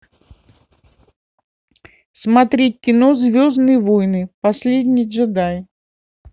смотреть кино звездные войны последний джедай